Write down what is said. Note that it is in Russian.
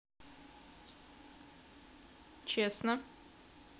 честно